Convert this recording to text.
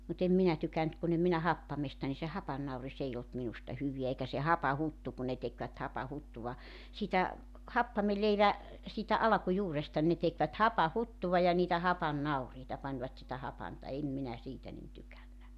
mutta en minä tykännyt kun en minä happamasta niin se hapannauris ei ollut minusta hyvää eikä se hapanhuttu kun ne tekivät hapanhuttua siitä happamanleivän siitä alkujuuresta ne tekivät hapanhuttua ja niitä hapannauriita panivat sitä hapanta en minä siitä niin tykännyt